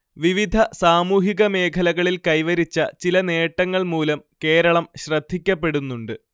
വിവിധ സാമൂഹിക മേഖലകളിൽ കൈവരിച്ച ചില നേട്ടങ്ങൾ മൂലം കേരളം ശ്രദ്ധിക്കപ്പെടുന്നുണ്ട്